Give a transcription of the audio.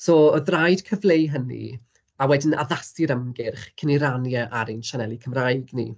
So oedd raid cyfleu hynny, a wedyn addasu'r ymgyrch cyn ei rannu ar ein sianeli Cymraeg ni.